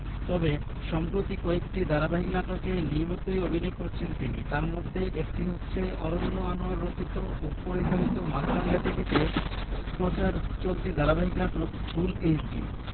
তবে সম্প্রতি কয়েকটি ধারাবাহিক নাটকে নিয়মিতই অভিনয় করছেন তিনি তার মধ্যে একটি হচ্ছে অরন্য আনোয়ার রচিত ও পরিচালিত মাছরাঙা টিভিতে প্রচার চলতি ধারাবাহিক নাটক ফুল এইচডি